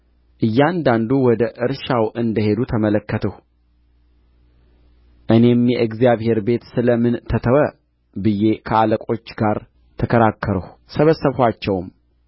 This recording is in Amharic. እያንዳንዱ ወደ እርሻው እንደ ሄዱ ተመለከትሁ እኔም የእግዚአብሔር ቤት ስለ ምን ተተወ ብዬ ከአለቆቹ ጋር ተከራከርሁ ሰበሰብኋቸውም